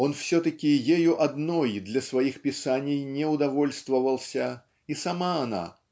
он все-таки ею одной для своих писаний не удовольствовался и сама она